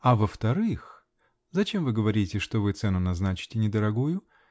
а во-вторых зачем вы говорите, что вы цену назначите недорогую?